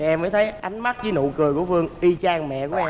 em mới thấy ánh mắt với nụ cười của vương y chang mẹ của em